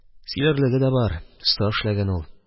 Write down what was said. Сөйләрлеге дә бар, оста эшләгән ул.